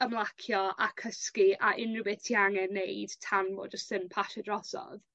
ymlacio a cysgu a unryw beth ti angen neud tan m'o jyst yn pasio drosodd.